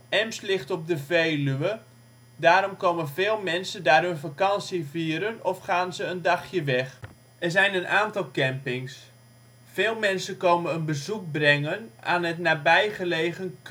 Emst ligt op de Veluwe, daarom komen veel mensen daar hun vakantie vieren of gaan ze een dagje weg. Er zijn een aantal campings. Veel mensen komen een bezoek brengen aan het nabijgelegen